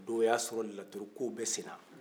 o don o y'a sɔrɔ laturu kow bɛ senna